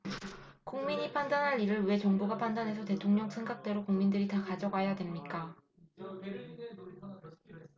국민이 판단할 일을 왜 정부가 판단해서 대통령 생각대로 국민들이 다 가져가야 됩니까